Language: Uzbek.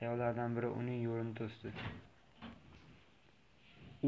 ayollardan biri uning yo'lini to'sdi